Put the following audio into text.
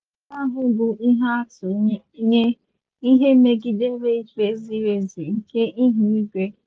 Nye Sarah, ndị ahụ bụ ihe atụ nye "ihe megidere ikpe ziri ezi nke ihu igwe".